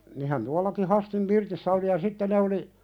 niinhän tuollakin Hastin pirtissä oli ja sitten ne oli